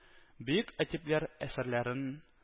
Бөек әдипләр әсәрләрен